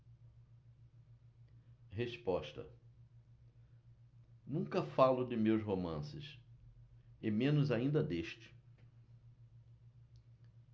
resposta nunca falo de meus romances e menos ainda deste